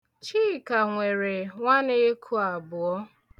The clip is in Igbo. Chika nwere nwaneku abụọ.